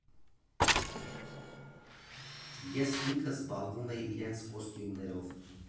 Ես ինքս զբաղվում էի իրենց կոստյումներով։